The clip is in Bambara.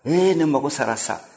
ee ne mago sara sa